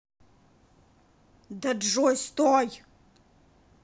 да джой стой